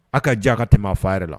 A ka jija ka tɛmɛ a fa yɛrɛ la